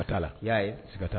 A t'a la, i y'a ye